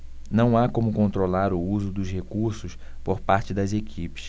não há como controlar o uso dos recursos por parte das equipes